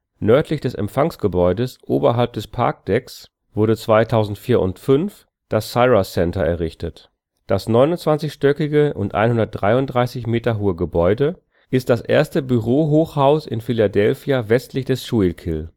Nördlich des Empfangsgebäudes, oberhalb des Parkdecks wurde 2004 – 05 das Cira Centre errichtet. Das 29-stöckige und 133 Meter hohe Gebäude ist das erste Bürohochhaus in Philadelphia westlich des Schuylkill